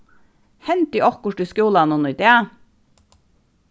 hendi okkurt í skúlanum í dag